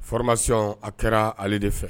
Fmasi a kɛra ale de fɛ